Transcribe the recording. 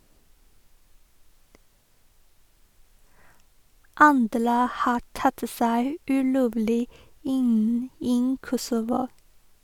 Andre har tatt seg ulovlig inn i Kosovo.